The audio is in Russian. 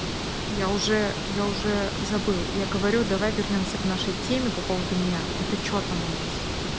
я уже я уже забыл я говорю давай вернемся к нашей теме по поводу меня это че там у нас